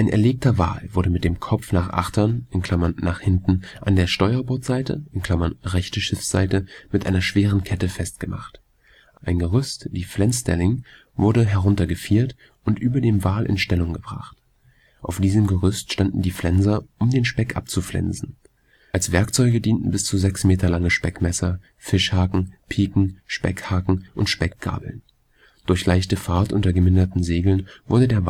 erlegter Wal wurde mit den Kopf nach achtern (nach hinten) an der Steuerbordseite (rechte Schiffsseite) mit einer schweren Kette festgemacht. Ein Gerüst, die Flensstelling, wurde heruntergefiert und über dem Wal in Stellung gebracht. Auf diesem Gerüst standen die Flenser um den Speck abzuflensen. Als Werkzeuge dienten bis zu sechs Meter lange Speckmesser, Fischhaken, Piken, Speckhaken und Speckgabeln. Durch leichte Fahrt unter geminderten Segeln wurde